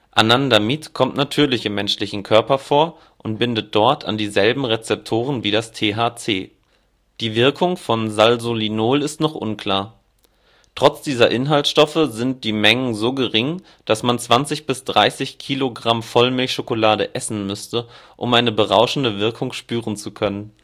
Anandamid kommt natürlich im menschlichen Körper vor und bindet dort an dieselben Rezeptoren wie das THC. Die Wirkung von Salsolinol ist noch unklar. Trotz dieser Inhaltsstoffe sind die Mengen so gering, dass man 20 bis 30 kg Vollmilch-Schokolade essen müsste, um eine berauschende Wirkung spüren zu können